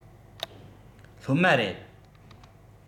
སློབ མ རེད